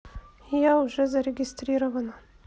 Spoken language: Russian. я уже зарегистрирована